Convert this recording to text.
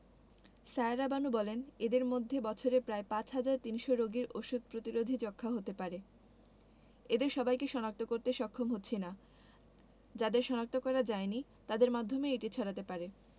সায়েরা বানু বলেন এদের মধ্যে বছরে প্রায় ৫ হাজার ৩০০ রোগীর ওষুধ প্রতিরোধী যক্ষ্মা হতে পারে এদের সবাইকে শনাক্ত করতে সক্ষম হচ্ছি না যাদের শনাক্ত করা যায়নি তাদের মাধ্যমেই এটি ছড়াতে পারে